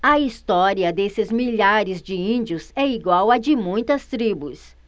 a história desses milhares de índios é igual à de muitas tribos